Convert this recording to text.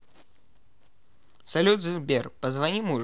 салют сбер позвони мужу